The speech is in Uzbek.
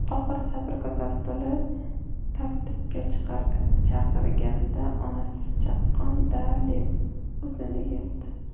oxir sabr kosasi to'lib tartibga chaqirganda onangiz chaqqan da leb o'zini yuldi